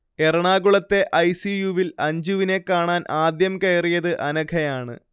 എറണാകുളത്തെ I. C. U വിൽ അഞ്ജുവിനെ കാണാൻ ആദ്യം കയറിയത് അനഘയാണ്